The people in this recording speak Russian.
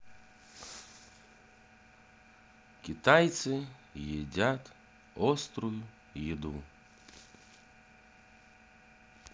китайцы едят острую еду